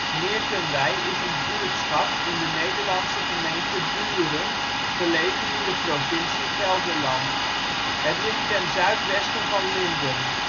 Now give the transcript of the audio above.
Meertenwei is een buurtschap in de Nederlandse gemeente Buren, gelegen in de provincie Gelderland. Het ligt ten zuidwesten van Linden